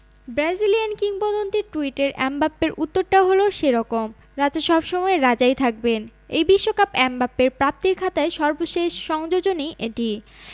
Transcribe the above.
Brazilian কিংবদন্তির টুইটের এমবাপ্পের উত্তরটাও হলো সে রকম রাজা সব সময় রাজাই থাকবেন এই বিশ্বকাপ এমবাপ্পের প্রাপ্তির খাতায় সর্বশেষ সংযোজনই এটি